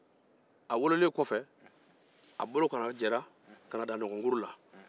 a wololen kɔfɛ a bolo kala jɛra ka na dan nɔnkɔnkuru la